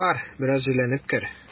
Бар, бераз җилләнеп кер.